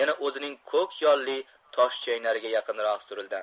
yana o'zining ko'k yolli toshchaynariga yaqinroq surildi